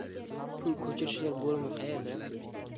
pul ko'chirishlar bo'limi qayerda